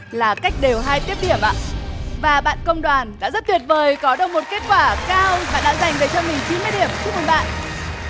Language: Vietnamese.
là cách đều hai tiếp điểm ạ và bạn công đoàn đã rất tuyệt vời có được một kết quả cao và đã giành về cho mình chín mươi điểm chúc mừng bạn